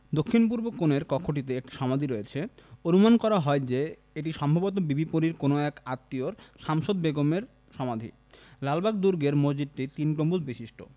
দক্ষিণপূর্ব কোণের কক্ষটিতে একটি সমাধি রয়েছে অনুমান করা হয় যে এটি সম্ভবত বিবি পরীর কোন এক আত্মীয় শামশাদ বেগমের সমাধি লালবাগ দুর্গের মসজিদটি তিন গম্বুজ বিশিষ্ট